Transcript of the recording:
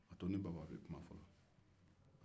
a to n ni baba bɛ kuma